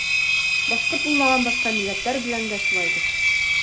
Башкорт булмаган башка милләтләр белән дә шулайдыр.